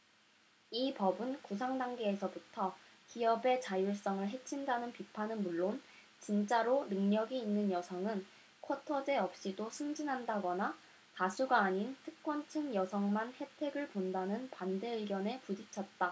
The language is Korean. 이 법은 구상단계에서부터 기업의 자율성을 해친다는 비판은 물론 진짜로 능력이 있는 여성은 쿼터제 없이도 승진한다거나 다수가 아닌 특권층 여성만 혜택을 본다는 반대 의견에 부딪혔다